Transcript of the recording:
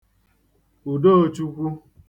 Ùdoochukwu